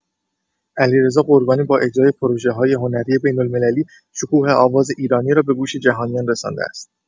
علیرضا قربانی با اجرای پروژه‌های هنری بین‌المللی، شکوه آواز ایرانی را به گوش جهانیان رسانده است.